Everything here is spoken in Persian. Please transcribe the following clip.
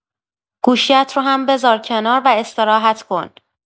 گوشی‌ات رو هم بذار کنار و استراحت کن.